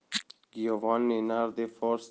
giovanni nardi for